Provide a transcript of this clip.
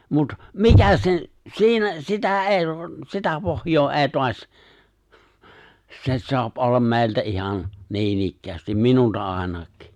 mutta mikä sen siinä sitä ei sitä pohjaa ei taas se saa olla meiltä ihan niinikään minulta ainakin